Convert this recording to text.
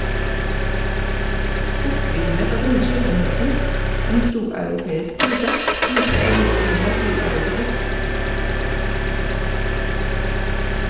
Oppildnet av denne sjeldenheten - en proeuropeisk brite - spurte jeg hvorfor hun var proeuropeisk.